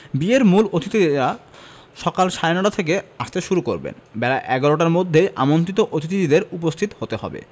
বিয়ের মূল অতিথিরা সকাল সাড়ে নয়টা থেকে আসতে শুরু করবেন বেলা ১১টার মধ্যেই আমন্ত্রিত অতিথিদের উপস্থিত হতে হবে